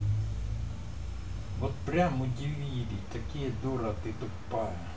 вот прям удивила такие дура ты тупая